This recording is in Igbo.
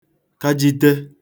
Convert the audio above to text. kajite